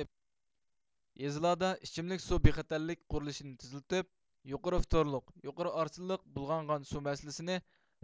يېزىلاردا ئىچىملىك سۇ بىخەتەرلىكى قۇرۇلۇشىنى تېزلىتىپ يۇقىرى فتورلۇق يۇقىرى ئارسنلىق بۇلغانغان سۇ مەسىلىسىنى